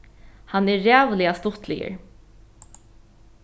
hann er ræðuliga stuttligur